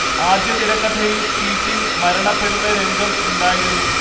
ആദ്യ തിരക്കഥയിൽ കീറ്റിംഗ് മരണപ്പെടുന്ന രംഗം ഉണ്ടായിരുന്നു